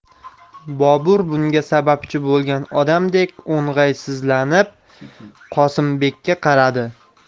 bobur bunga sababchi bo'lgan odamdek o'ng'aysizlanib qosimbekka qaradi